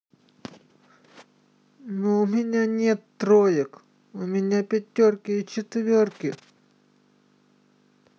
ну у меня нет троек у меня пятерки и четверки